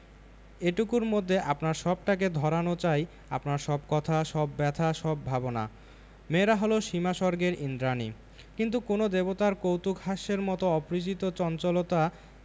এটুকুর মধ্যে আপনার সবটাকে ধরানো চাই আপনার সব কথা সব ব্যাথা সব ভাবনা মেয়েরা হল সীমাস্বর্গের ঈন্দ্রাণী কিন্তু কোন দেবতার কৌতূকহাস্যের মত অপরিযিত চঞ্চলতা